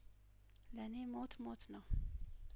ለኔ ሞት ሞት ነው